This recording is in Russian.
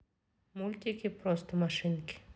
мультики просто машинки